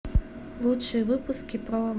лучшие выпуски про